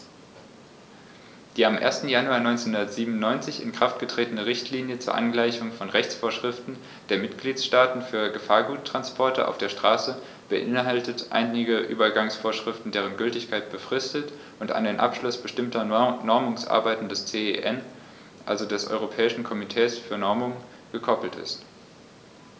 Die am 1. Januar 1997 in Kraft getretene Richtlinie zur Angleichung von Rechtsvorschriften der Mitgliedstaaten für Gefahrguttransporte auf der Straße beinhaltet einige Übergangsvorschriften, deren Gültigkeit befristet und an den Abschluss bestimmter Normungsarbeiten des CEN, also des Europäischen Komitees für Normung, gekoppelt ist.